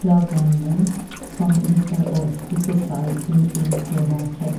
plageånden som liker å spise seg inn i treverket?